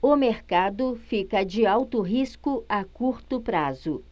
o mercado fica de alto risco a curto prazo